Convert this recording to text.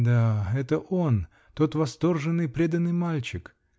Да, то он, тот восторженный, преданный мальчик!